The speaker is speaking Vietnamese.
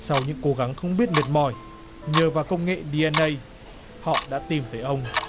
sau những cố gắng không biết mệt mỏi nhờ vào công nghệ đi en ây họ đã tìm thấy ông